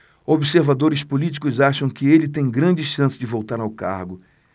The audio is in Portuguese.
observadores políticos acham que ele tem grandes chances de voltar ao cargo